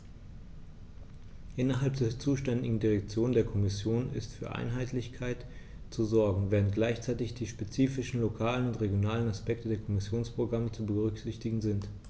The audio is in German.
Innerhalb der zuständigen Direktion der Kommission ist für Einheitlichkeit zu sorgen, während gleichzeitig die spezifischen lokalen und regionalen Aspekte der Kommissionsprogramme zu berücksichtigen sind.